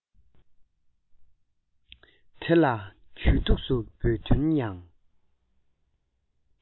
དེ ལ གྱོད གཏུགས སུ འབོད དོན ཡང